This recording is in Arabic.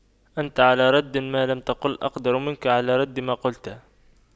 أنت على رد ما لم تقل أقدر منك على رد ما قلت